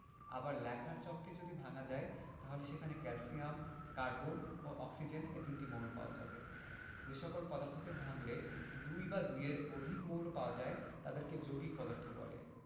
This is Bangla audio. আবার লেখার চককে যদি ভাঙা যায় তাহলে সেখানে ক্যালসিয়াম কার্বন ও অক্সিজেন এ তিনটি মৌল পাওয়া যাবে যে সকল পদার্থকে ভাঙলে দুই বা দুইয়ের অধিক মৌল পাওয়া যায় তাদেরকে যৌগিক পদার্থ বলে